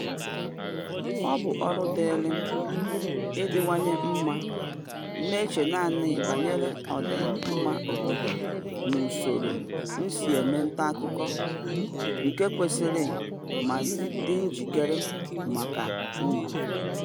Ọ bụ ọrụ dịịrị m ịdịwanye mma, na-eche naanị banyere ọdịmma obodo a n'usoro m si eme ntaakụkọ, nke kwesịrị ma dị njikere maka ụnụ.